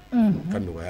Ka nɔgɔyaya